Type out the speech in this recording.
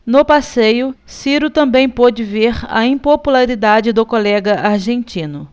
no passeio ciro também pôde ver a impopularidade do colega argentino